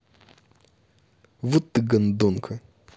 вот ты гондонка